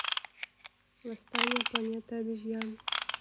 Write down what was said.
восстание планеты обезьян